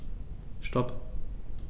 Stop.